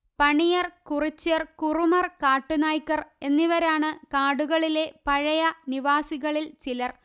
പണിയർ കുറിച്യർ കുറുമർ കാട്ടുനായ്ക്കർ എന്നിവരാണ് കാടുകളിലെ പഴയ നിവാസികളിൽ ചിലർ